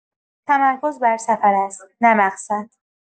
تمرکز بر سفر است نه مقصد